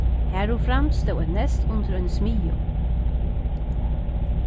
harumframt stóð eitt neyst undir eini smiðju